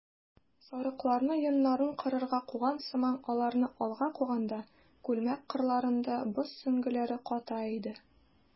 Сарыкларны йоннарын кыркырга куган сыман аларны алга куганда, күлмәк кырларында боз сөңгеләре ката иде.